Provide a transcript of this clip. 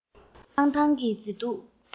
སྤང ཐང གི མཛེས སྡུག